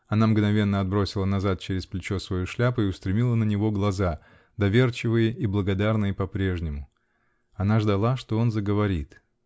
Она мгновенно отбросила назад через плечо свою шляпу -- и устремила на него глаза, доверчивые и благодарные по-прежнему. Она ждала, что он заговорит.